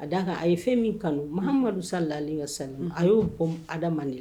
A d'a kan a ye fɛn min kanu Mahamadu salalehi wasalim unhun a y'o bɔn hadamaden la